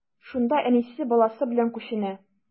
Шунда әнисе, баласы белән күченә.